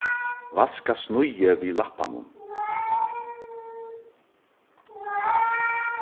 vaska snýðið við lappanum